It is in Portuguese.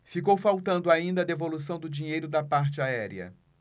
ficou faltando ainda a devolução do dinheiro da parte aérea